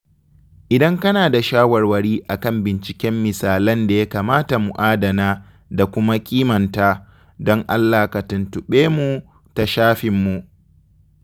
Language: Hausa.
Idan kana da shawarwari a kan binciken misalan da ya kamata mu adana da kuma kimanta, don Allah ka tuntuɓe mu ta shafinmu.